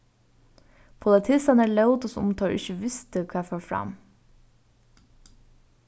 politistarnir lótu sum um teir ikki vistu hvat fór fram